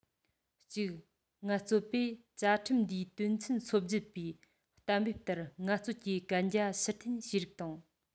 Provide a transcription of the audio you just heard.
གཅིག ངལ རྩོལ པས བཅའ ཁྲིམས འདིའི དོན ཚན སོ བརྒྱད པའི གཏན འབེབས ལྟར ངལ རྩོལ གྱི གན རྒྱ ཕྱིར འཐེན བྱས རིགས དང